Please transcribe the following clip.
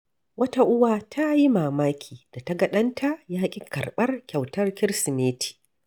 Wata uwa ta yi mamaki da ta ga ɗanta ya ƙi karɓar kyautar Kirsimeti.